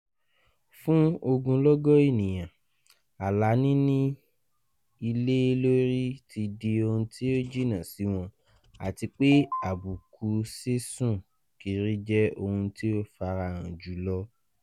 Fún ogunlọ́gọ̀ ènìyàn, alá níní ilé lórí ti di ohun tí ó jìnnà sí wọn, àtipé àbùkù sísùn kiri jẹ́ ohún tí ó farahàn jùlọ."